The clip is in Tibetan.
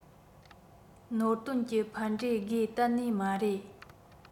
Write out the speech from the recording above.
ནོར དོན གྱི ཕན འབྲས དགོས གཏན ནས མ རེད